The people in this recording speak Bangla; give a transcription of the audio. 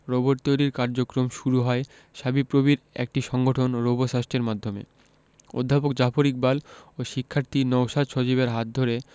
রোবট তৈরির কার্যক্রম শুরু হয় শাবিপ্রবির একটি সংগঠন রোবোসাস্টের মাধ্যমে অধ্যাপক জাফর ইকবাল ও শিক্ষার্থী নওশাদ সজীবের হাত ধরে